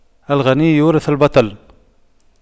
الغنى يورث البطر